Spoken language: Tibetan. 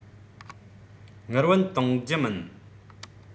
དངུལ བུན གཏོང རྒྱུ མིན